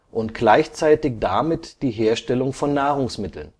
und gleichzeitig damit die Herstellung von Nahrungsmitteln